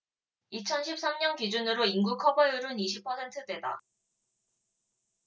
이천 십 삼 년 기준으로 인구 커버율은 이십 퍼센트대다